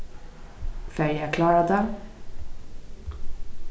fari eg at klára tað